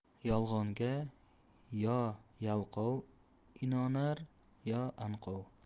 yolg'onga yo yalqov inonar yo anqov